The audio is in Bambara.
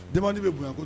Da bɛ bonyayan